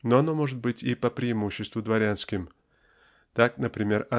но оно может быть и по преимуществу дворянским так например